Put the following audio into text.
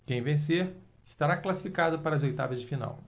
quem vencer estará classificado para as oitavas de final